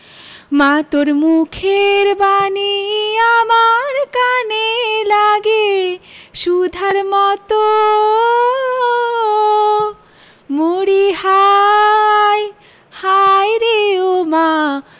মা তোর মুখের বাণী আমার কানে লাগে সুধার মতো মরি হায় হায়রে ওমা